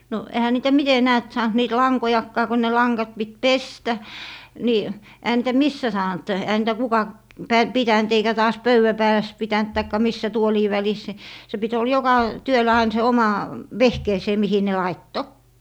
no eihän niitä miten näet saanut niitä lankojakaan kun ne langat piti pestä niin eihän niitä missä saanut eihän niitä kuka - pitänyt eikä taas pöydän päällä pitänyt tai missä tuolien välissä niin se piti oli joka työllä aina se oma vehkeensä mihin ne laittoi